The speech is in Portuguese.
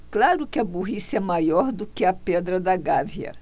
claro que a burrice é maior do que a pedra da gávea